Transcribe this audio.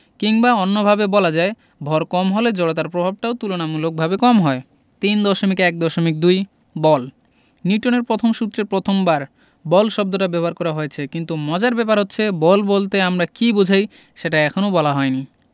কিংবা অন্যভাবে বলা যায় ভর কম হলে জড়তার প্রভাবটা তুলনামূলকভাবে কম হয় ৩.১.২ বল নিউটনের প্রথম সূত্রে প্রথমবার বল শব্দটা ব্যবহার করা হয়েছে কিন্তু মজার ব্যাপার হচ্ছে বল বলতে আমরা কী বোঝাই সেটা এখনো বলা হয়নি